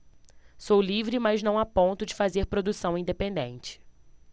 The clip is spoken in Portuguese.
sou livre mas não a ponto de fazer produção independente